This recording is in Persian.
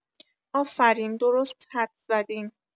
آفرین درست حدس زدین